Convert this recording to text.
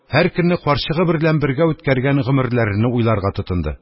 Һәр көнне карчыгы берлән бергә үткәргән гомерләрене уйларга тотынды.